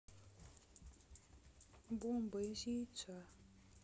бомба из яйца